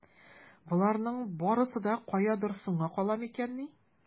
Боларның барсы да каядыр соңга кала микәнни?